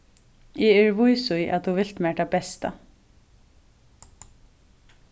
eg eri vís í at tú vilt mær tað besta